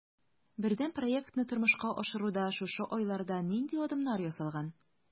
Бердәм проектны тормышка ашыруда шушы айларда нинди адымнар ясалган?